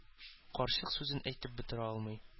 Карчык сүзен әйтеп бетерә алмый.